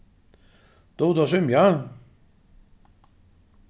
dugir tú at svimja